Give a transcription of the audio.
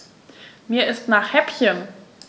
Mir ist nach Häppchen.